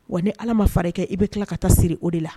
Wa ni ala ma fari kɛ i bɛ tila ka taa siri o de la